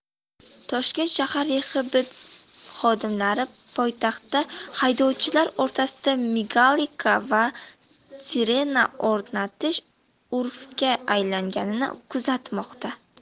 toshkent shahar yhxb xodimlari poytaxtda haydovchilar o'rtasida migalka va sirena o'rnatish urfga aylanganini kuzatmoqda